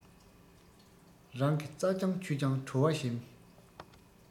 རང གི རྩ རྐྱང ཆུ རྐྱང བྲོ བ ཞིམ